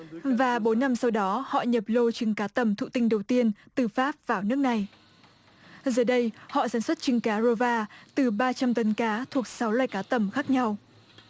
và bốn năm sau đó họ nhập lô trứng cá tầm thụ tinh đầu tiên từ pháp vào nước này giờ đây họ sản xuất trứng cá rô va từ ba trăm tấn cá thuộc sáu loài cá tầm khác nhau